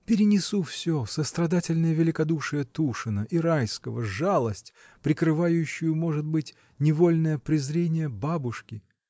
Перенесу всё: сострадательное великодушие Тушина и Райского, жалость, прикрывающую, может быть, невольное презрение бабушки.